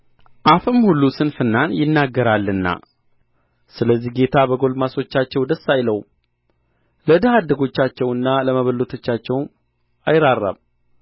አፍም ሁሉ ስንፍናን ይናገራልና ስለዚህ ጌታ በጕልማሶቻቸው ደስ አይለውም ለድሀ አደጎቻቸውና ለመበለቶቻቸውም አይራራም